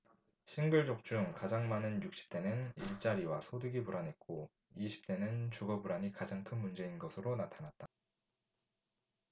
싱글족 중 가장 많은 육십 대는 일자리와 소득이 불안했고 이십 대는 주거 불안이 가장 큰 문제인 것으로 나타났다